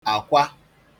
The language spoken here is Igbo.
àkwa